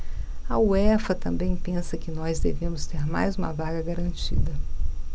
a uefa também pensa que nós devemos ter mais uma vaga garantida